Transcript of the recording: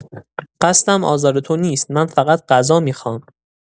قصدم آزار تو نیست، من فقط غذا میخوام.